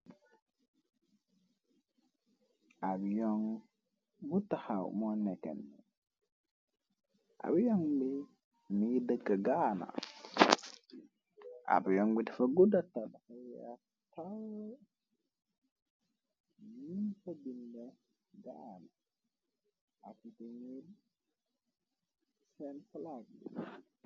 Taxaw mo nekenniab yon bi mi dëkk gaana. Ab yong dafa guddatalya ta ñuñ tëjinde gaan akite ñir seen flag.